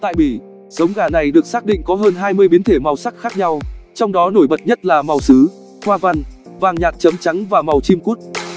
tại bỉ giống gà này được xác định có hơn biến thể màu sắc khác nhau trong đó nổi bật nhất là màu sứ hoa văn vàng nhạt chấm trắng và màu chim cút